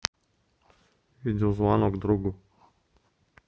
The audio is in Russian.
видеозвонок другу